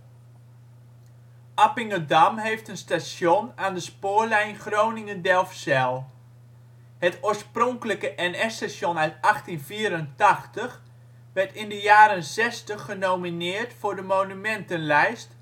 Appingedam heeft een station aan de Spoorlijn Groningen - Delfzijl. Het oorspronkelijke NS-station uit 1884 werd in de jaren zestig genomineerd voor de monumentenlijst